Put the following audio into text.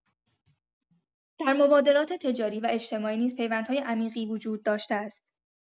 در مبادلات تجاری و اجتماعی نیز پیوندهای عمیقی وجود داشته است.